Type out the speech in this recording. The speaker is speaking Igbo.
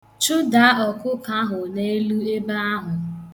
Chụdaa ọkụkọ ahụ n'elu ebe ahụ.